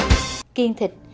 kiêng thịt